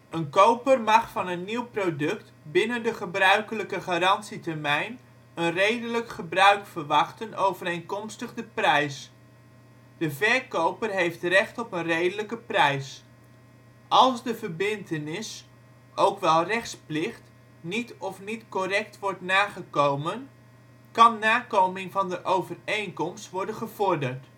een koper mag van een nieuw product binnen de gebruikelijke garantietermijn een redelijk gebruik verwachten overeenkomstig de prijs. De verkoper heeft recht op een redelijke prijs. Als de verbintenis, ook wel rechtsplicht niet of niet correct wordt nagekomen, kan nakoming van de overeenkomst worden gevorderd